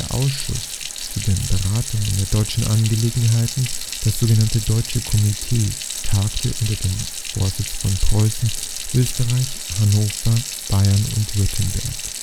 Ausschuss zu den Beratungen der deutschen Angelegenheiten, das sogenannte „ Deutsche Komitee “, tagte unter dem Vorsitz von Preußen, Österreich, Hannover, Bayern und Württemberg